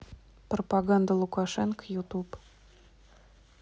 пропаганда лукашенко ютуб